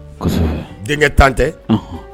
Denkɛ tan tɛ